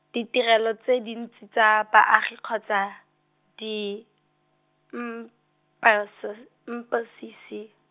ditirelo tse dintsi tsa baagi kgotsa, di, M P S, M P C C.